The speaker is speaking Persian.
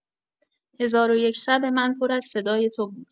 هزار و یک شب من پر از صدای تو بود.